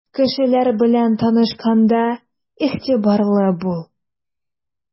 Кешеләр белән танышканда игътибарлы бул.